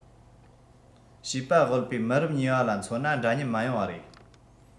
བྱིས པ དབུལ པོའི མི རབས གཉིས པ ལ མཚོན ན འདྲ མཉམ མ ཡོང བ རེད